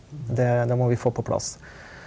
det det må vi få på plass.